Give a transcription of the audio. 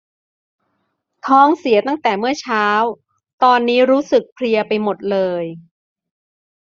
ท้องเสียตั้งแต่เมื่อเช้าตอนนี้รู้สึกเพลียไปหมดเลย